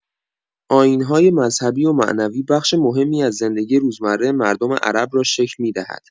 آیین‌های مذهبی و معنوی بخش مهمی از زندگی روزمره مردم عرب را شکل می‌دهد.